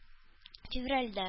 Февральдә